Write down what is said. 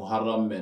O har bɛ